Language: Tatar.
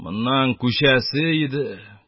- моннан күчәсе иде,